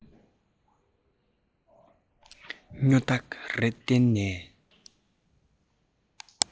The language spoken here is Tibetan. སྨྱོ རྟགས རེ བསྟན ན